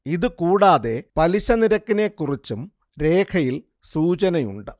ഇതുകൂടാതെ പലിശ നിരക്കിനെക്കുറിച്ചും രേഖയിൽ സൂചനയുണ്ട്